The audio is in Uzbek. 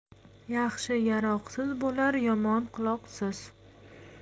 yaxshi yaroqsiz bo'lar yomon quloqsiz